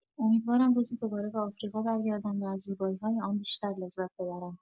امیدوارم روزی دوباره به آفریقا برگردم و از زیبایی‌های آن بیشتر لذت ببرم.